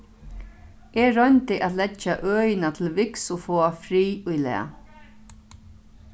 eg royndi at leggja øðina til viks og fáa frið í lag